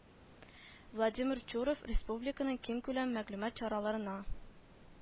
Владимир Чуров республиканың киңкүләм мәгълүмат чараларына